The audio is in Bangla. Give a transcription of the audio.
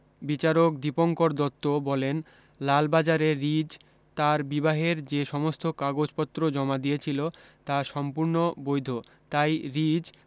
বিচারক দীপঙ্কর দত্ত বলেন লালবাজারে রিজ তার বিবাহের যে সমস্ত কাগজ পত্র জমা দিয়েছিল তা সম্পূর্ণ বৈধ তাই রিজ